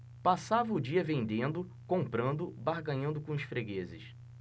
passava o dia vendendo comprando barganhando com os fregueses